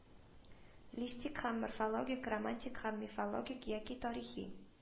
Листик һәм мифологик, романтик һәм мифологик яки тарихи,